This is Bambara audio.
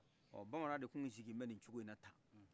ɔ bamanan de kun sigimɛ ni cogoyina tan